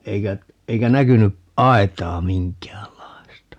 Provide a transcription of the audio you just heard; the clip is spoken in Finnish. eikä eikä näkynyt aitaa minkäänlaista